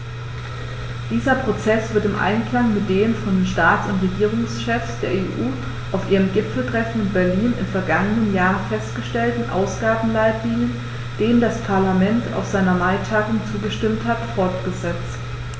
Dieser Prozess wird im Einklang mit den von den Staats- und Regierungschefs der EU auf ihrem Gipfeltreffen in Berlin im vergangenen Jahr festgelegten Ausgabenleitlinien, denen das Parlament auf seiner Maitagung zugestimmt hat, fortgesetzt.